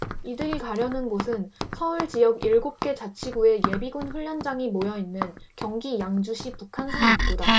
이들이 가려는 곳은 서울 지역 일곱 개 자치구의 예비군 훈련장이 모여 있는 경기 양주시 북한산 입구다